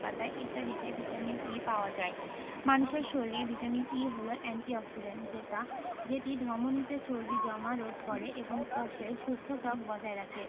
পাতা ইত্যাদিতে vitamin E পাওয়া যায় মানুষের শরীরে ভিটামিন E হলো এন্টি অক্সিডেন্ট যেটি ধমনিতে চর্বি জমা রোধ করে এবং কোষের সুস্থ ত্বক বজায় রাখে